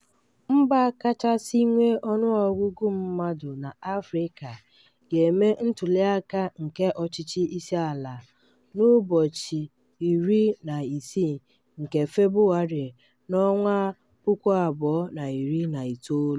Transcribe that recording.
Mba kachasị nwee ọnụọgụgụ mmadụ n'Afrịka, ga-eme ntụliaka nke ọchịchị isi ala n'ụbọchị 16 nke Febụwarị, 2019.